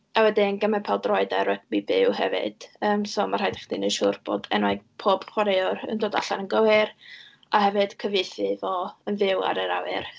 A wedyn gymaint o pêl-droed a rygbi byw hefyd, yym, so ma' rhaid i chdi wneud siŵr bod enwau pob chwaraewr yn dod allan yn gywir, a hefyd cyfieithu fo yn fyw ar yr awyr.